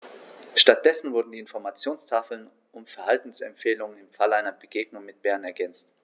Stattdessen wurden die Informationstafeln um Verhaltensempfehlungen im Falle einer Begegnung mit dem Bären ergänzt.